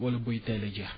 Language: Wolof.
wala buy teel a jeex